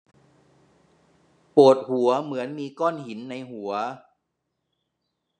ปวดหัวเหมือนมีก้อนหินในหัว